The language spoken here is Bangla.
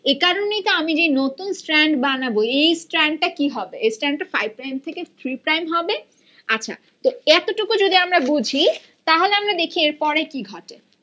এ কারনেই তো আমি যে নতুন স্ট্র্যান্ড বানাবো এই স্ট্র্যান্ডটা কি হবে এই স্ট্র্যান্ডটা ফাইভ প্রাইম থেকে থ্রি প্রাইম হবে আচ্ছা তো এতটুকু যদি আমরা বুঝি তাহলে দেখি এর পরে কি ঘটে